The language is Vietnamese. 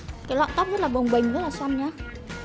cái lọn tóc rất là bồng bềnh rất là xoăn nhá